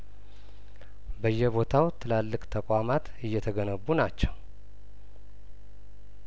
በየቦታው ትላልቅ ተቋማት እየተገነቡ ናቸው